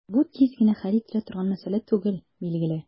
Бу тиз генә хәл ителә торган мәсьәлә түгел, билгеле.